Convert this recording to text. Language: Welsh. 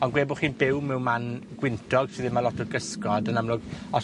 Ond gwe' bo' chi'n byw mewn man gwyntog, sydd 'im â lot o gysgod, yn amlwg, os